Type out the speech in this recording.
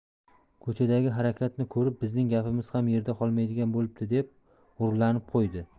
ko'chadagi harakatni ko'rib bizning gapimiz ham yerda qolmaydigan bo'libdi deb g'ururlanib qo'ydi